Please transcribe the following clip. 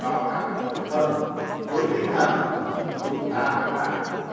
cho các cơ quan truyền thông với tinh thần chúng ta phải làm